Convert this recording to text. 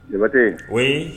Jabatɛ o